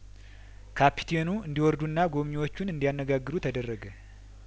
ካፒቴኑ እንዲ ወርዱና ጐቢኚዎችን እንዲ ያነጋግሩ ተደረገ